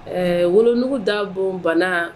Ɛɛ wolounugu da bon banna